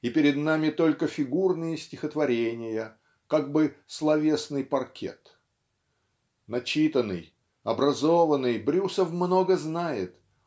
и перед нами только фигурные стихотворения как бы словесный паркет. Начитанный образованный Брюсов много знает